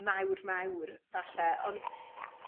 mawr mawr falle ond